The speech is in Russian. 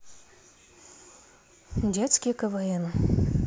детский квн